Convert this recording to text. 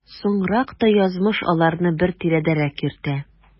Соңрак та язмыш аларны бер тирәдәрәк йөртә.